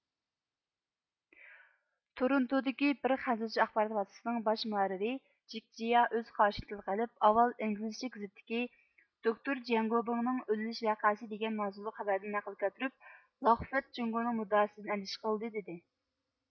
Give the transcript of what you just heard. تۇرۇنتۇدىكى بىر خەنزۇچە ئاخبارات ۋاسىتىسىنىڭ باش مۇھەررىرى جېكېجىيا ئۆز قارىشىنى تىلغا ئېلىپ ئاۋۋال ئىنگلىزچە گېزىتتىكى دوكتور جياڭگوبىڭنىڭ ئۆلۈۋېلىش ۋەقەسى دېگەن ماۋزۇلۇق خەۋەردىن نەقىل كەلتۈرۈپ لافخىد جۇڭگونىڭ مۇددىئاسىدىن ئەندىشە قىلدى دېدى